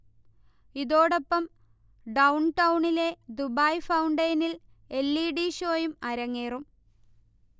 ഇതോടൊപ്പം ഡൗൺടൗണിലെ ദുബായ് ഫൗണ്ടെയിനിൽ എൽ. ഇ. ഡി. ഷോയും അരങ്ങേറും